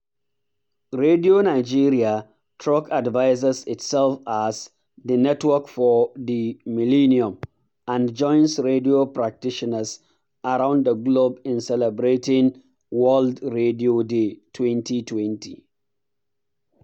Radio Nigeria truck advertises itself as "the network for the millennium," and joins radio practitioners around the globe in celebrating World Radio Day 2020.